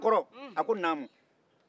a ko naamu